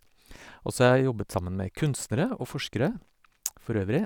Og så har jeg jobbet sammen med kunstnere og forskere for øvrig.